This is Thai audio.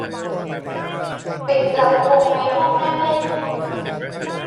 ปิดลำโพงในห้องนั่งเล่น